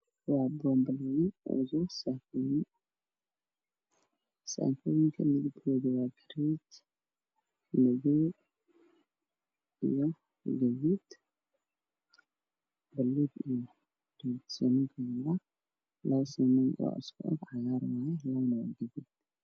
Waa boonbalooyinwaxaa kujirosaakooyin midabkoodu waa garee, madow, gaduud, buluug iyo cadeys. Suumakuna waa labo suun oo cagaar ah.